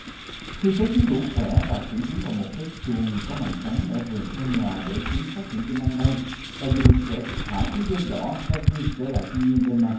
khi thấy chúng đủ khỏe bà chuyển chúng vào một cái chuông có mành trắng ở vườn sau nhà để chúng phát triển kỹ năng bay và dự định sẽ thả chú dơi đỏ sa gi trở lại thiên nhiên đêm nay